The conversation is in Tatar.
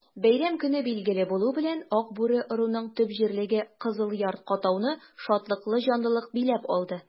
Бәйрәм көне билгеле булу белән, Акбүре ыруының төп җирлеге Кызыл Яр-катауны шатлыклы җанлылык биләп алды.